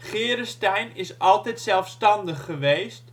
Geerestein is altijd zelfstandig geweest